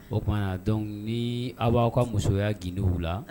O tuma na donc_ ni aw b'aw ka musoya gindow la